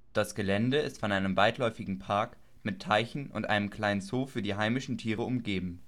Das Gelände ist von einem weitläufigen Park mit Teichen und einem kleinen Zoo für heimische Tiere umgeben